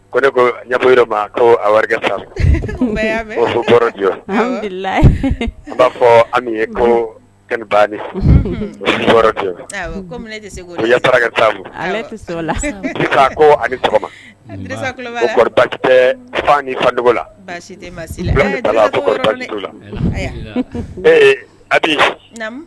Ko ne ko ko n b'a fɔ ami ko ni tɛ fa ni la ee